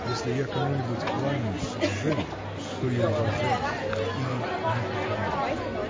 Если я кому-нибудь кланяюсь с уважением, — то и уважаю, или не поклонюсь.